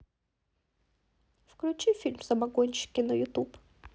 включи фильм самогонщики на ютуб